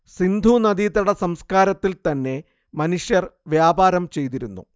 സിന്ധു നദീതടസംസ്കാരത്തിൽ തന്നെ മനുഷ്യർ വ്യാപാരം ചെയ്തിരുന്നു